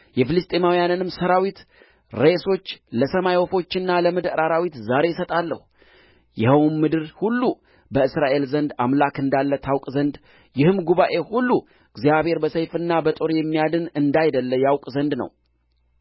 የፍልስጥኤማውያንንም ሠራዊት ሬሶች ለሰማይ ወፎችና ለምድር አራዊት ዛሬ እሰጣለሁ ይኸውም ምድር ሁሉ በእስራኤል ዘንድ አምላክ እንዳለ ታውቅ ዘንድ ይህም ጉባኤ ሁሉ እግዚአብሔር በሰይፍና በጦር የሚያድን እንዳይደል ያውቅ ዘንድ ነው